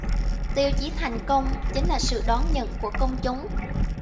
tiêu chí thành công chính là sự đón nhận của công chúng